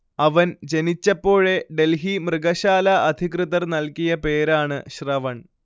അവൻ ജനിച്ചപ്പോഴേ ഡൽഹി മൃഗശാലാ അധികൃതർ നൽകിയ പേരാണ് ശ്രവൺ